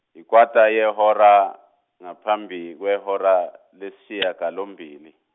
yikwata yehora ngaphambi kwehora lesishiyagalombili.